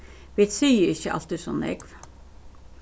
vit siga ikki altíð so nógv